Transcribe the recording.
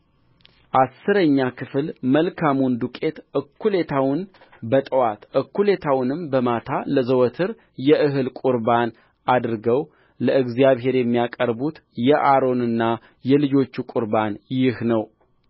አሥረኛ ክፍል መልካሙን ዱቄት እኵሌታውን በጥዋት እኵሌታውንም በማታ ለዘወትር የእህል ቍርባን አድርገው ለእግዚአብሔር የሚያቀርቡት የአሮንና የልጆቹ ቍርባን ይህ ነው